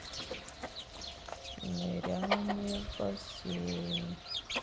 ныряние в бассейн